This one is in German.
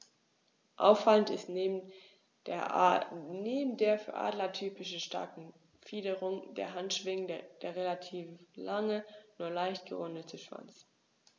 Auffallend ist neben der für Adler typischen starken Fingerung der Handschwingen der relativ lange, nur leicht gerundete Schwanz.